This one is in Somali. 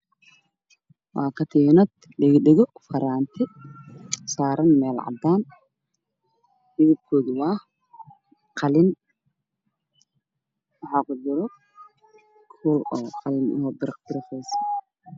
Waa dhago-dhago faraanti batiinad meel saaran waxayna saaran yihiin miis caddaan ah kalarkoodana waa qalin